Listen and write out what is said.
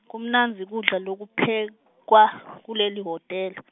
kumnandzi kudla lokuphekwa, kuleli wotela.